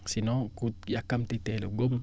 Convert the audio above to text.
sinon ku yàkkamti teel a góob